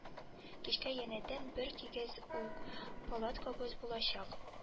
Кичкә янәдән бер дигән үз палаткабыз булачак